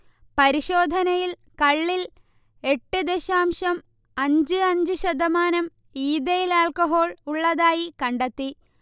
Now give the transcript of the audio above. പരിശോധനയിൽ കള്ളിൽ എട്ട് ദശാംശം അഞ്ച് അഞ്ച് ശതമാനം ഈഥൈൽ അൽക്കഹോൾ ഉള്ളതായി കണ്ടെത്തി